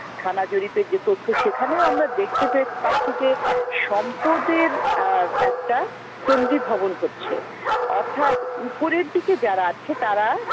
থানা জরিপের যে তথ্য সেখানেও আমরা দেখতে পেয়েছি সম্পদের একটা কেন্দ্রীভবন হচ্ছে অর্থাৎ উপরের দিকে যারা আছে তারা